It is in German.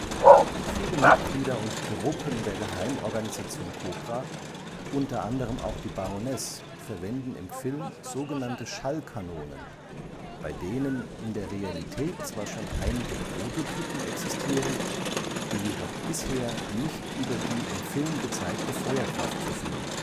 Viele Mitglieder und Truppen der Geheimorganisation Cobra (unter anderem auch die Baroness) verwenden im Film sogenannte Schallkanonen (Sonic and ultrasonic weapons, USW), bei denen in der Realität zwar schon einige Prototypen existieren, die jedoch bisher nicht über die im Film gezeigte Feuerkraft verfügen